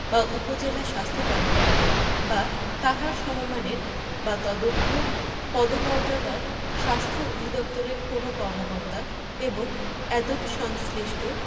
বা উপজেলা স্বাস্থ্য কর্মকর্তা বা তাঁহার সমমানের বা তদূর্ধ্ব পদমর্যাদার স্বাস্থ্য অধিদপ্তরের কোন কর্মকর্তা এবং এতদসংশ্লিষ্ট